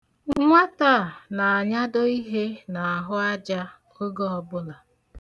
Nwata a na-anyado ihe n'ahụ aja oge ọbụla.